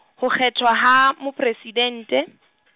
ho kgethwa ha, Mopresidente.